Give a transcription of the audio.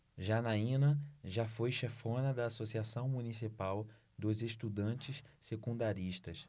janaina foi chefona da ames associação municipal dos estudantes secundaristas